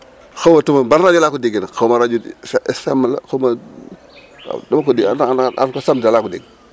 xamatuma ban rajo laa ko déggee nag xamuma rajo fm la xaw ma waaw dama ko dégg daal en tout samedi daal laa ko dégg